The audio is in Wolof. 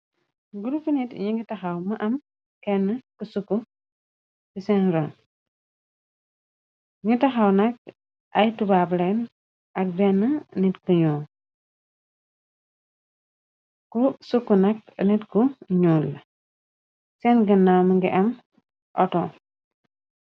gurup nit ñi ngi taxaw , mu am kenn ki sukk ci seen run , ñu taxaw nak ay tubaablen ak benn nit ku ñuul, ku sukku nak nit ku ñuul seen gannama ngi am auto.